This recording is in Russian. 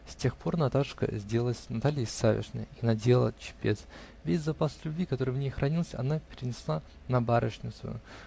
С тех пор Наташка сделалась Натальей Савишной и надела чепец: весь запас любви, который в ней хранился, она перенесла на барышню свою.